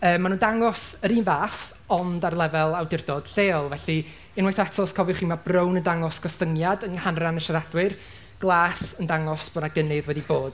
Maen nhw'n dangos yr un fath, ond ar lefel awdurdod lleol. Felly, unwaith eto, os cofiwch chi, ma' brown yn dangos gostyngiad yng nghanran y siaradwyr, glas yn dangos bod 'na gynnydd wedi bod.